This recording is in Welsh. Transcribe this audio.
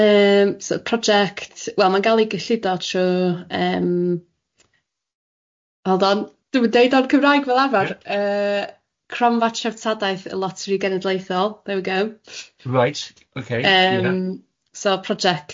Yym so project, wel ma'n gael ei gylludo trwy yym, hold on dwi'm yn deud o'n Cymraeg fel arfer yy Cromfa Treftadaeth y Loteri Genedlaethol, there we go... Reit ok. ...yym so project,